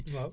waaw